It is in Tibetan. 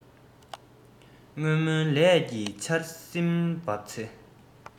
སྔོན སྨོན ལས ཀྱི ཆར ཟིམ བབས ཚེ